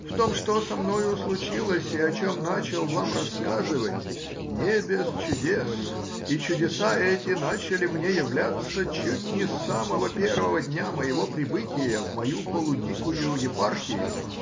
в том, что со мною случилось и о чем начал вам рассказывать — не без чудес, и чудеса эти начали мне являться чуть не с самого первого дня моего прибытия в мою полудикую епархию.